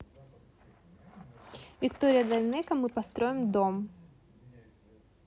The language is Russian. victoria dayneko мы построим дом